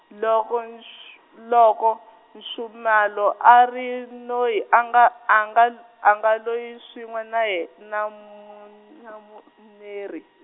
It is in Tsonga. loko nsh- loko Nxumalo a ri noyi a nga a nga anga loyi swin'we na ye- namun- na Muneri.